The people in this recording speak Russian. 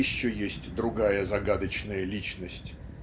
"Еще есть другая загадочная личность